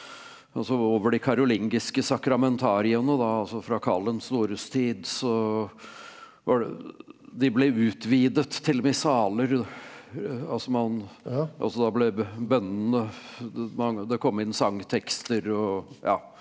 altså over de karolingiske sakramentariene da altså fra Karl den stores tid så var det de ble utvidet til missaler altså man ja altså da ble bønnene mange det kom inn sangtekster og ja.